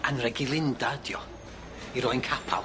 Anreg i Linda ydi o, i roi'n capal.